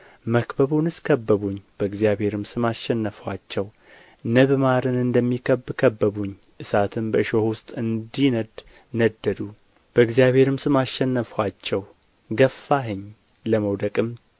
መክበቡንስ ከበቡኝ በእግዚአብሔርም ስም አሸነፍኋቸው ንብ ማርን እንዲከብብ ከበቡኝ እሳትም በእሾህ ውስጥ እንዲነድድ ነደዱ በእግዚአብሔርም ስም አሸነፍኋቸው ገፋኸኝ ለመውደቅም